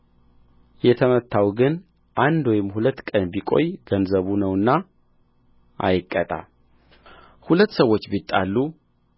የተመታው ግን አንድ ወይም ሁለት ቀን ቢቈይ ገንዘቡ ነውና አይቀጣ ሁለት ሰዎች ቢጣሉ